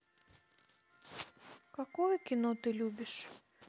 какое кино ты любишь